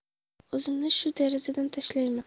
o'zimni shu derazadan tashlayman